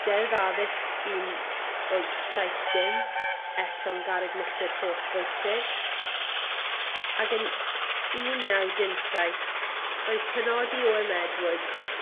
Deddf addysg un wyth saith dim eto'n garreg milltir hollbwysig, ag yn un naw dim saith roedd penodi Owe Em Edwards